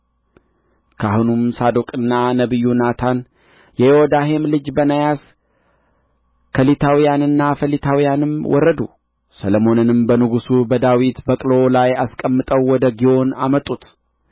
ካህኑም ሳዶቅና ነቢዩ ናታን የዮዳሄም ልጅ በናያስ ከሊታውያንና ፈሊታውያንም ወረዱ ሰሎሞንንም በንጉሡ በዳዊት በቅሎ ላይ አስቀምጠው ወደ ግዮን አመጡት